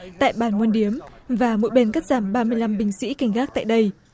tại bàn môn điếm và mỗi bên cắt giảm ba mươi lăm binh sĩ canh gác tại đây